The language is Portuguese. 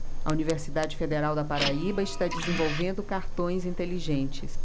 a universidade federal da paraíba está desenvolvendo cartões inteligentes